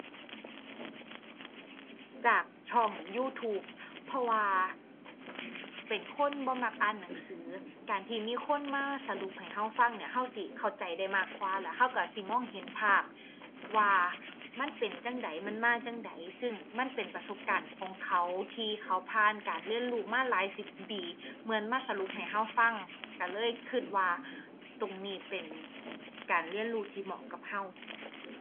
จากช่อง YouTube เพราะว่าเป็นคนบ่มักอ่านหนังสือ การที่มีคนมาสรุปให้เราฟังเนี่ยเราสิเข้าใจได้มากกว่า แล้วเราเราสิมองเห็นภาพว่ามันเป็นจั่งใด มันมาจั่งใด ซึ่งมันเป็นประสบการณ์ของเขา ที่เขาผ่านการเรียนรู้มาหลายสิบปี เหมือนมาสรุปให้เราฟัง เราเลยเราว่าตรงนี้เป็นการเรียนรู้ที่เหมาะกับเรา